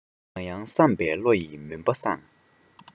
ཡང ཡང བསམ པས བློ ཡི མུན པ སངས